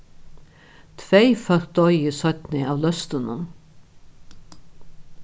tvey fólk doyðu seinni av løstunum